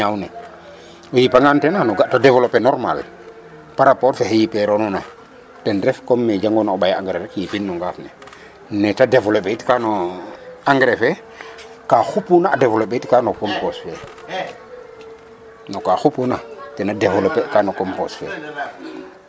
O yipangaan ten xan o ga' ta dévélopper nolmal parapport fo ke yipeeranoona ten ref comme ne jangoona o ɓay engrais rek yipin no ngaaf ne ne ta développer itka no engrais fe ka xupuna a développer itka no compos fe no xupuna tan a developper ka no compos fe.